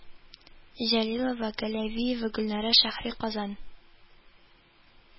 Җәлилова Галявиева Гөлнара Шәһри Казан